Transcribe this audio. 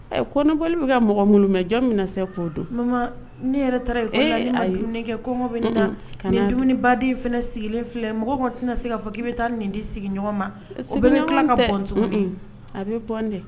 Ɛ kɔnɔboli bɛ ka mɔgɔ mun bɛna se, jɔn min na se k'o dun? Mama ne yɛrɛ taara ecole ee, ayi, unun, ka n'a kɛ la ne ma dumuni kɛ, ne kɔngɔ bɛ ne na, nin dumuni baden fana sigilen filɛ, mɔgɔ koni tɛna se k'a fɔ k'i bɛ taa nin di sigi ɲɔgɔn ma , siginɲɔgn tɛ, unun, a bɛ bon de